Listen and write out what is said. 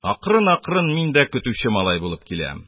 Акрын-акрын мин дә көтүче малай булып киләм.